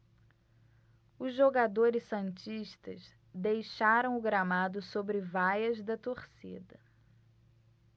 os jogadores santistas deixaram o gramado sob vaias da torcida